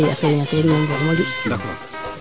i a feeña teen moom roog moƴu